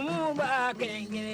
Mun b'a 1